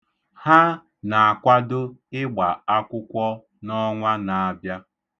Ha na-akwado ịgba akwụkwọ n’ọnwa na-abịa.